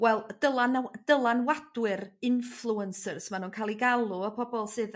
wel dylanw- dylanwadwyr influencers ma' nhw'n ca'l 'u galw y pobol sydd